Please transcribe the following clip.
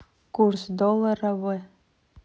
курс доллара в